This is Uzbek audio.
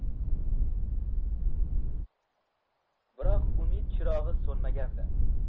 biroq umid chirogi so'nmagandi